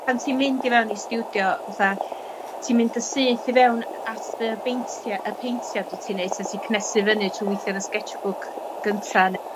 Pan ti'n mynd i fewn i stiwdio, fatha ti'n mynd yn syth i fewn at dy beintie y paentiad w't ti'n neud 'ta ti'n cnesu fyny trw weithia' yn y scetchbook gynta ne'?